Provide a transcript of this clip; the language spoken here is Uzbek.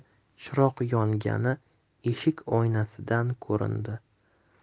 chiroq yongani eshik oynasidan ko'rindi